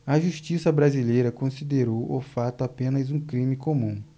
a justiça brasileira considerou o fato apenas um crime comum